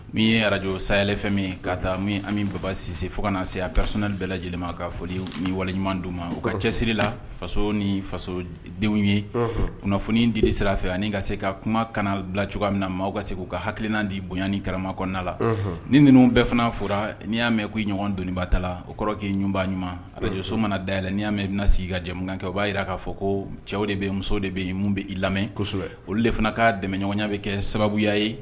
Min ye arajo sayayɛlɛ fɛn min k'a ta min an babasise fo kana na se a kas bɛɛ lajɛlen ma k'a foli ni waleɲuman don ma u ka cɛsiri la faso ni fasodenw ye kunnafoni di de sira fɛ ani ka se ka kuma kana bila cogoya min na ma aw ka se k u ka hakilinan di bonyaani karama kɔnɔna la ni ninnu bɛɛ fana fɔra n'i y'a mɛn k' ɲɔgɔn donba ta la o kɔrɔ' ɲumanba ɲuman arajso mana day yɛlɛ n'i'a mɛn bɛna na sigi ka jamana kɛ o b'a jira k'a fɔ ko cɛw de bɛ muso de bɛ bɛ i lamɛn kosɛbɛ olu de fana ka dɛmɛɲɔgɔnya bɛ kɛ sababuya ye